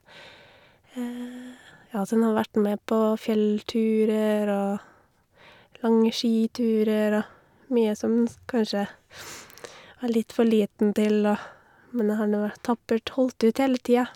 Ja, den har vært med på fjellturer og lange skiturer og mye som s den kanskje var litt for liten til og, men den har nå h tappert holdt ut hele tida.